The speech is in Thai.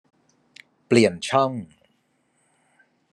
เปลี่ยนช่อง